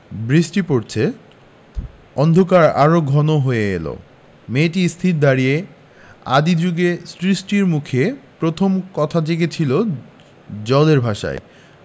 বৃষ্টি পরছে অন্ধকার আরো ঘন হয়ে এল মেয়েটি স্থির দাঁড়িয়ে আদি জুগে সৃষ্টির মুখে প্রথম কথা জেগেছিল জলের ভাষায়